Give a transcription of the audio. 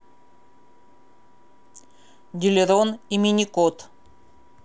дилирон и миникот